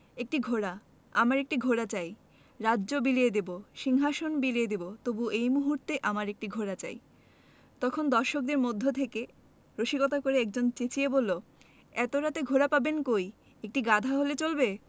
একটি ঘোড়া আমার একটি ঘোড়া চাই রাজ্য বিলিয়ে দেবো সিংহাশন বিলিয়ে দেবো তবু এই মুহূর্তে আমার একটি ঘোড়া চাই তখন দর্শকদের মধ্য থেকে রসিকতা করে একজন চেঁচিয়ে বললো এত রাতে ঘোড়া পাবেন কই একটি গাধা হলে চলবে